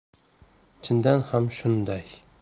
chindan ham shunday